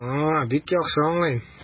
А, бик яхшы аңлыйм.